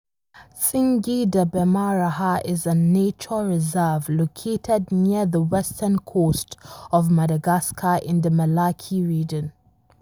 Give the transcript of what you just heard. Tsingy de Bemaraha is a nature reserve located near the western coast of Madagascar in the Melaky Region.